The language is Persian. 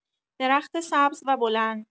درخت سبز و بلند